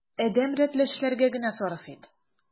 Адәм рәтле эшләргә генә сарыф ит.